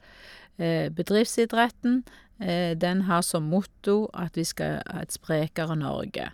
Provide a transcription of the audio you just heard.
Bedriftsidretten, den har som motto at vi skal ha et sprekere Norge.